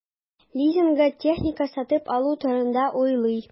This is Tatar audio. Лизингка техника сатып алу турында уйлый.